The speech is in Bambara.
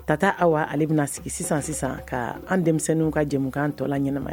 Ta taa aw wa ale bɛna sigi sisan sisan ka an denmisɛnninw ka jɛkan tɔ la ɲɛnama ye